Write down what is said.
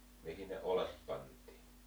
mihin ne oljet pantiin